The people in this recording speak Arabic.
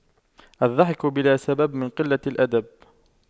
الضحك بلا سبب من قلة الأدب